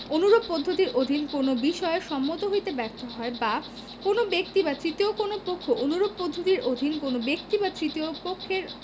অনুরূপ পদ্ধতির অধীন কোন বিষয়ে সম্মত হইতে ব্যর্থ হয় বা কোন ব্যীক্ত বা তৃতীয় কোন পক্ষ অনুরূপ পদ্ধতির অধীন উক্ত ব্যক্তি বা তৃতীয় পক্ষের